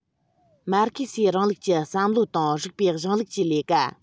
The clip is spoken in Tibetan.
མར ཁེ སིའི རིང ལུགས ཀྱི བསམ བློ དང རིགས པའི གཞུང ལུགས ཀྱི ལས ཀ